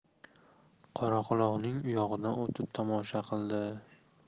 qoraquloqni uyog'idan o'tib tomosha qildi